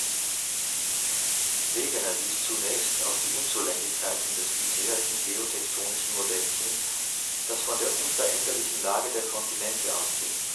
Wegener wies zunächst auf die Unzulänglichkeiten des bisherigen geotektonischen Modells hin, das von der unveränderlichen Lage der Kontinente ausging